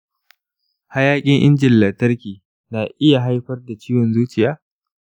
hayaƙin injin lantarki na iya haifar da ciwon zuciya?